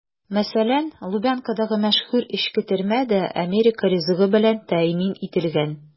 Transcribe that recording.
Мәсәлән, Лубянкадагы мәшһүр эчке төрмә дә америка ризыгы белән тәэмин ителгән.